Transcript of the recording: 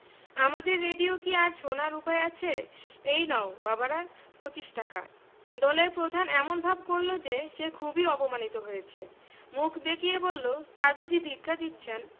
আমাদের রেডিও কি আর শোনার উপায় আছে এই নাও বাবারা পঁচিশ টাকা দলের প্রধান এমন ভাব করল যে সে খুবই অপমানিত হয়েছে মুখ বেঁকিয়ে বলল স্যার বুঝি ভিক্ষা দিচ্ছেন